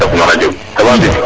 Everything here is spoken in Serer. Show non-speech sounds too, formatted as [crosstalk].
[unintelligible] ca va bien